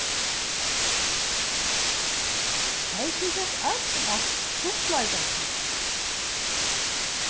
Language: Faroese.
tey tykjast øll at stuttleika sær